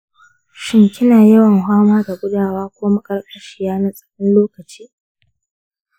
shin kina yawan fama da gudawa ko maƙarƙashiya na tsawon lokaci?